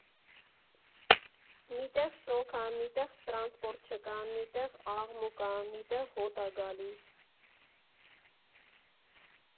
Մի տեղ շոգ ա, մի տեղ տրանսպորտ չկա, մի տեղ աղմուկ ա, մի տեղ հոտ ա գալիս։